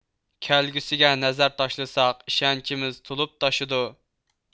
كەلگۈسىگە نەزەر تاشلىساق ئىشەنچىمىز تولۇپ تاشىدۇ